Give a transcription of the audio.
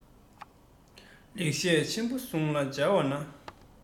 ལེགས བཤད ཆེན པོ ཟུང ལ མཇལ བ ན